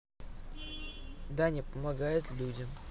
даня помогают людям